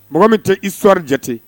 Mɔgɔ min te histoire jate.